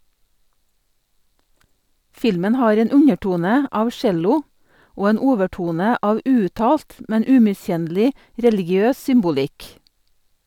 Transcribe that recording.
Filmen har en undertone av cello og en overtone av uuttalt, men umiskjennelig religiøs symbolikk.